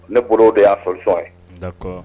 Ne bolo o de y'a sonsɔn ye